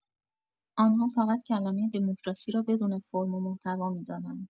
آنها فقط کلمه دموکراسی را بدون فرم و محتوا می‌دانند.